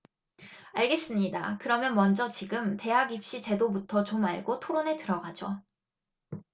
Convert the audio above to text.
알겠습니다 그러면 먼저 지금 대학입시제도부터 좀 알고 토론에 들어가죠